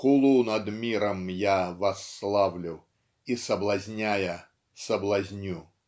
Хулу над миром я восславлю И соблазняя соблазню.